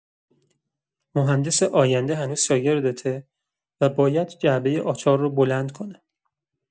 مهندس آینده هنوز شاگردته و باید جعبه آچار رو بلند کنه.